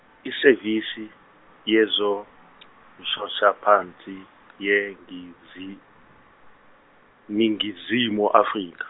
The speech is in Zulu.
iSevisi yezoMshoshaphansi yegizi- Ningizimu Afrika.